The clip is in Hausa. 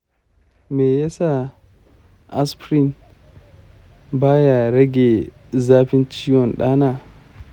me ya sa aspirin ba ya rage zafin ciwon ɗana?